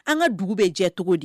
An ka dugu bɛɛ jɛ cogo di